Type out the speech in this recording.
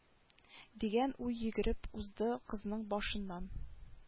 Дигән уй йөгереп узды кызның башыннан